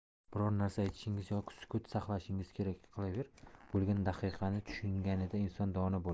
biror narsa aytishingiz yoki sukut saqlashingiz kerak bo'lgan daqiqani tushunganida inson dono bo'ladi